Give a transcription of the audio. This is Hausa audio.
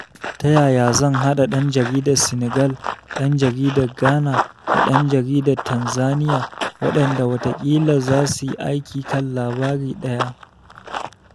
Ta yaya zan haɗa ɗan jaridar Senegal, ɗan jaridar Ghana da ɗan jaridar Tanzaniya waɗanda watakila za suyi aiki kan labari ɗaya?